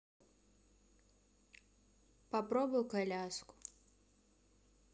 попробуй коляску